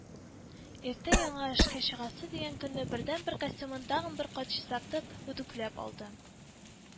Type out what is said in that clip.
Иртәгә яңа эшкә чыгасы дигән көнне бердәнбер костюмын тагын бер кат чистартып, үтүкләп алды